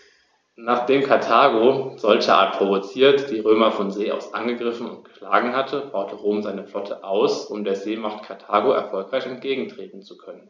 Nachdem Karthago, solcherart provoziert, die Römer von See aus angegriffen und geschlagen hatte, baute Rom seine Flotte aus, um der Seemacht Karthago erfolgreich entgegentreten zu können.